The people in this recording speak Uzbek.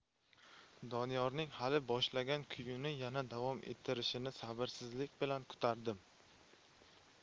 doniyorning hali boshlagan kuyini yana davom ettirishini sabrsizlik bilan kutardim